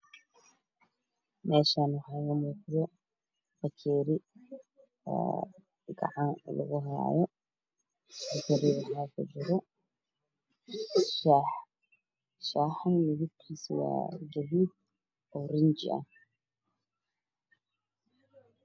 Meeshaan waxaa iiga muuqdo bekeeri oo gacanta lagu haayo bakeeriga waxaa kujiro shaah shaahana midabkiisu waa gaduud oo riiinji ah